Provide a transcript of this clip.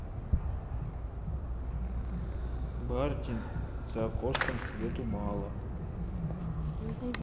бардин за окошком свету мало